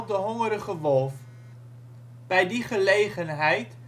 Hongerige Wolf. Bij die gelegenheid